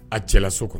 A cɛlaso kɔnɔ,